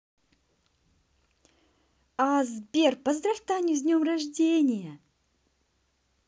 а сбер поздравь таню с днем рождения